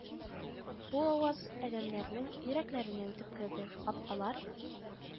Бу аваз адәмнәрнең йөрәкләренә үтеп керде, капкалар